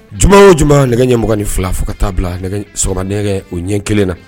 J o tunba nɛgɛ ɲɛmɔgɔin fila fo ka taa bila nɛgɛ sɔrɔ nɛgɛ o ɲɛ kelen na